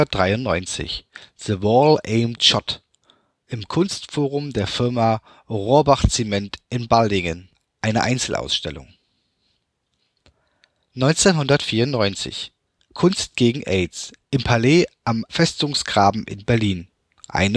1993: the well aimed shot, Kunstforum der Firma Rohrbach Zement, Balingen (EA) 1994: Kunst gegen Aids, Palais am Festungsgraben, Berlin (GA